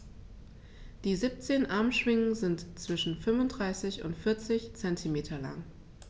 Die 17 Armschwingen sind zwischen 35 und 40 cm lang.